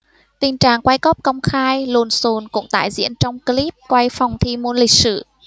tình trạng quay cóp công khai lộn xộn cũng tái diễn trong clip quay phòng thi môn lịch sử